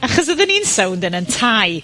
...achos odden ni'n sownd yn 'yn tai